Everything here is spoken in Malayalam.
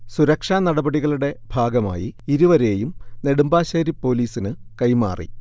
സുരക്ഷാ നടപടികളുടെ ഭാഗമായി ഇരുവരെയും നെടുമ്പാശേരി പൊലീസിനു കൈമാറി